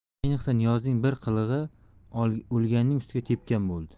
ayniqsa niyozning bir qilig'i o'lganning ustiga tepgan bo'ldi